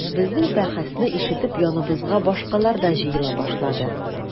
Безнең бәхәсне ишетеп яныбызга башкалар да җыела башлады.